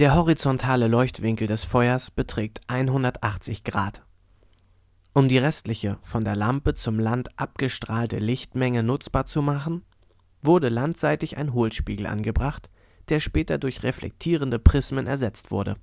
horizontale Leuchtwinkel des Feuers beträgt 180 Grad. Um die restliche, von der Lampe zum Land abgestrahlte Lichtmenge nutzbar zu machen, wurde landseitig ein Hohlspiegel angebracht, der später durch reflektierende Prismen ersetzt wurde